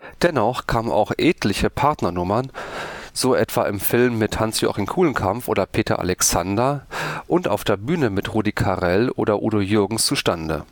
Dennoch kamen auch etliche Partner-Nummern, so etwa im Film mit Hans-Joachim Kulenkampff oder Peter Alexander und auf der Bühne mit Rudi Carrell oder Udo Jürgens